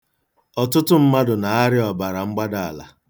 Ọtụtụ mmadụ na-arịa ọbaramgbaala.